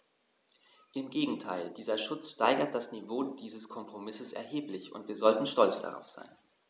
Im Gegenteil: Dieser Schutz steigert das Niveau dieses Kompromisses erheblich, und wir sollten stolz darauf sein.